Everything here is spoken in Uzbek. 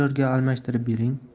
dollarga almashtirib bering